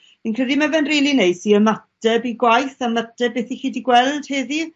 fi'n credu ma' fe'n rili neis i ymateb i gwaith a mateb beth 'ych chi 'di gweld heddi.